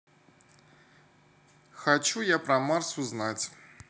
хочу я про марс узнать